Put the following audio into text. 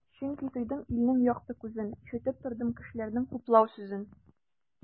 Чөнки тойдым илнең якты күзен, ишетеп тордым кешеләрнең хуплау сүзен.